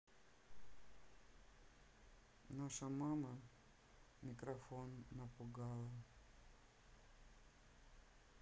наша мама микрофон напугала